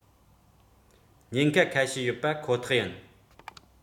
ཉེན ཁ ཁ ཤས ཡོད པ ཁོ ཐག ཡིན